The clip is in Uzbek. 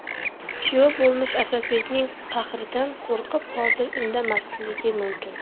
kuyov bo'lmish asadbekning qahridan qo'rqib hozir indamasligi mumkin